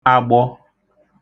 agbọ